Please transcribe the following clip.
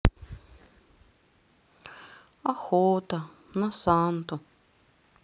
охота на санту